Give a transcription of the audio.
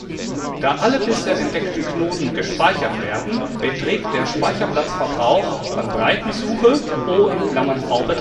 alle bisher entdeckten Knoten gespeichert werden beträgt der Speicherplatzverbrauch von Breitensuche O (| V |+| E |){\ displaystyle O (\ vert V \ vert +\ vert E \ vert)} wobei